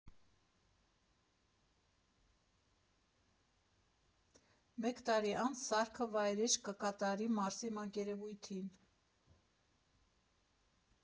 Մեկ տարի անց սարքը վայրէջք կկատարի Մարսի մակերևույթին։